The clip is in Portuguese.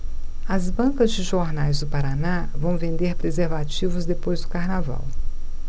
as bancas de jornais do paraná vão vender preservativos depois do carnaval